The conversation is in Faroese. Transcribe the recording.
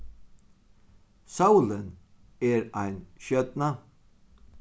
sólin er ein stjørna